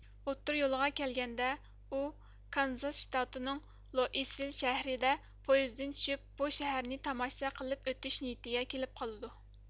ئوتتۇرا يولغا كەلگەندە ئۇ كانزاس شتاتىنىڭ لوئىسۋىل شەھىرىدە پويىزدىن چۈشۈپ بۇ شەھەرنى تاماشا قىلىپ ئۆتۈش نىيىتىگە كېلىپ قالىدۇ